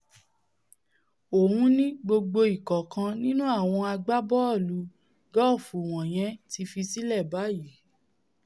Ohun ni gbogbo ìkọ̀ọ̀kan nínú àwọn agbábọ́ọ̀lù gọ́ọ̀fù wọ̀nyẹn ti fi sílẹ̀ báyìí.